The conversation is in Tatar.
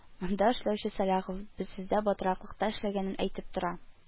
Монда эшләүче Салахов сездә батраклыкта эшләгәнен әйтеп тора